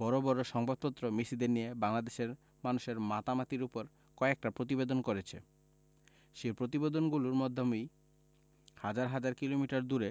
বড় বড় সংবাদপত্র মেসিদের নিয়ে বাংলাদেশের মানুষের মাতামাতির ওপর কয়েকটা প্রতিবেদন করেছে সেই প্রতিবেদনগুলোর মাধ্যমেই হাজার হাজার কিলোমিটার দূরে